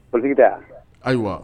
Pa da ayiwa